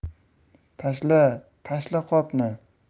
tashla tashla qopni